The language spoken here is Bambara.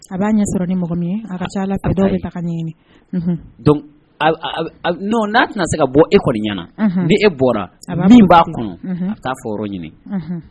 A b'a ɲɛ sɔrɔ ni mɔgɔ min ye a taa ala ka ɲini n'a tɛna se ka bɔ e kɔni ɲɛnaana bɛ e bɔra a min b'a kɔnɔ k'a ɲini